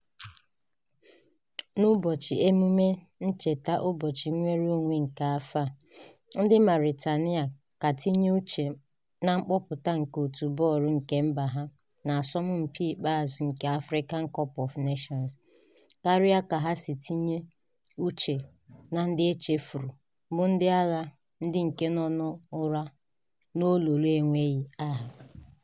N'Ụbọchị Emume Ncheta Ụbọchị Nnwereonwe nke afọ a, ndị Mauritania ka tinye uche na mkpọpụta nke òtù bọọlụ nke mba ha na asọmpị ikpeazụ nke Africa Cup of Nations (CAF) karịa ka ha si tinye uche na ndị e chefuru bụ "ndị agha [ndị ke] nọ n'ụra n'olulu enweghị aha ...